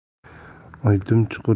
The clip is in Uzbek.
o'ydim chuqur yer